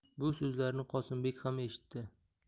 bu so'zlarni qosimbek ham eshitdi